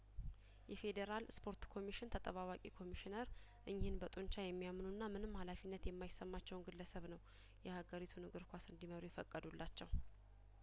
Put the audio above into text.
የፌዴራል እስፖርት ኮሚሽን ተጠባባቂ ኮሚሽነር እኚህን በጡንቻ የሚያምኑና ምንም ሀላፊነት የማይሰማቸውን ግለሰብ ነው የሀገሪቱን እግር ኳስ እንዲ መሩ የፈቀዱላቸው